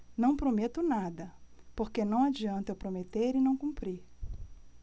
não prometo nada porque não adianta eu prometer e não cumprir